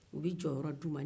u bɛ jɔyɔrɔ di u ma